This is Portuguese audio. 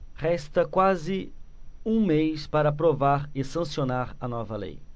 resta quase um mês para aprovar e sancionar a nova lei